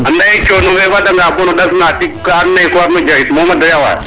andaye cono fe fada nga bo ndasna tig ka ando naye ko warno jawit moom a doyawar